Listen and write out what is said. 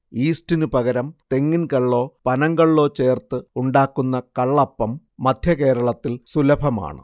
യീസ്റ്റിനു പകരം തെങ്ങിൻ കള്ളോ പനങ്കള്ളോ ചേർത്ത് ഉണ്ടാക്കുന്ന കള്ളപ്പം മധ്യകേരളത്തിൽ സുലഭമാണ്